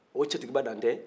o cɛtigiba dantɛ